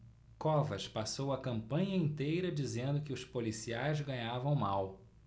covas passou a campanha inteira dizendo que os policiais ganhavam mal